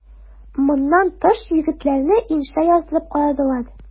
Моннан тыш егетләрне инша яздырып карадылар.